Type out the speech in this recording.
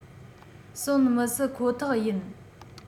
གསོན མི སྲིད ཁོ ཐག ཡིན